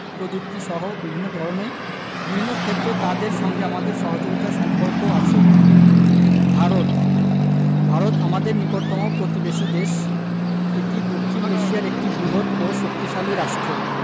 প্রযুক্তিসহ বিভিন্ন ক্ষেত্রে তাদের সঙ্গে আমাদের সহযোগিতার সম্পর্ক আছে ভারতঃ ভারত আমাদের নিকটতম প্রতিবেশী দেশএটি দক্ষিন এশিয়ার একটি বৃহৎও শক্তিশালী রাষ্ট্র